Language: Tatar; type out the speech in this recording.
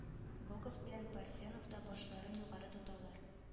Богов белән парфенов та башларын югары тоталар